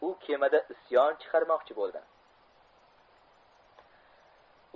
u kemada isyon chiqarmoqchi bo'ldi